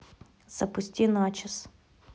запусти начес